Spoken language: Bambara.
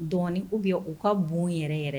Dɔn u bi yan u ka bon yɛrɛ yɛrɛ